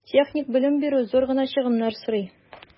Техник белем бирү зур гына чыгымнар сорый.